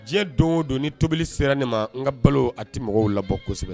Diɲɛ don don ni tobili sera nin ma n ka balo a tɛ mɔgɔw labɔ kosɛbɛ